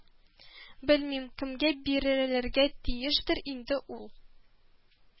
Белмим, кемгә бирелерергә тиештер инде ул